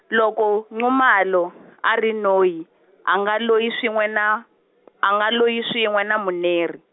loko Nxumalo, a ri noyi , a nga loyi swin'we na, a nga loyi swin'we na Muneri.